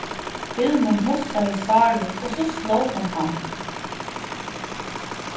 vilmund mussaði sáru og so sló hon hann